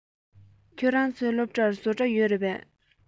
ཁྱོད རང ཚོའི སློབ གྲྭར བཟོ གྲྭ ཡོད རེད པས